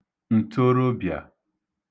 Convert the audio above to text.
ǹtorobị̀à